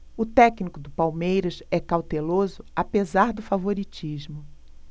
o técnico do palmeiras é cauteloso apesar do favoritismo